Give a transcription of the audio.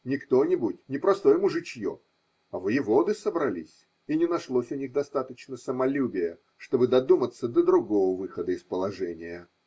Не кто-нибудь, не простое мужичье, а воеводы собрались, и не нашлось у них достаточно самолюбия, чтобы додуматься до другого выхода из положения.